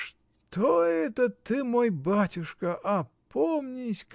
— Что это ты, мой батюшка, опомнись?